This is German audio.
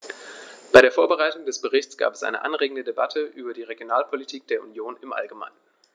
Bei der Vorbereitung des Berichts gab es eine anregende Debatte über die Regionalpolitik der Union im allgemeinen.